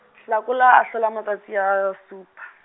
Hlakola a hlola matsatsi a, supa.